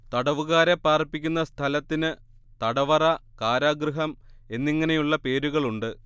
തടവുകാരെ പാർപ്പിക്കുന്ന സ്ഥലത്തിന് തടവറ കാരാഗൃഹം എന്നിങ്ങനെയുള്ള പേരുകളുണ്ട്